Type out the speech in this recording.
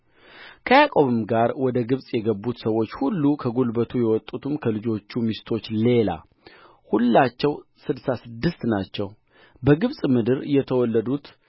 ሔቤር መልኪኤል ላባ ለልጁ ለልያ የሰጣት የዘለፋ ልጆች እነዚህ ናቸው እነዚህን አሥራ ስድስቱንም ነፍስ ለያዕቆብ ወለደች